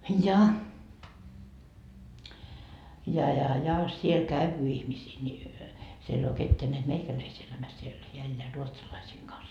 ja ja ja ja siellä käy ihmisiä niin siellä ei ole ketään näet meikäläisiä elämässä siellä hän elää ruotsalaisten kanssa